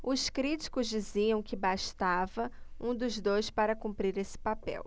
os críticos diziam que bastava um dos dois para cumprir esse papel